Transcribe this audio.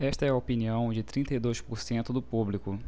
esta é a opinião de trinta e dois por cento do público